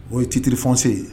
O ye citiriri fsen ye